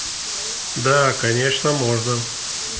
да конечно можно